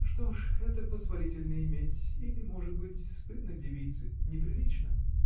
— Что ж, это позволительно иметь или, может быть, стыдно девице, неприлично?.